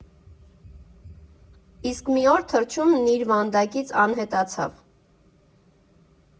Իսկ մի օր թռչունն իր վանդակից անհետացավ։